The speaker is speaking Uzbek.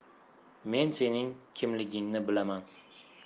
men sening kimligingni bilaman